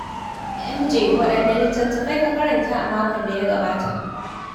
MJ: Waɗanne littatafai ka karanta a makon da ya gabata?